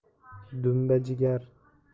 dumba jigar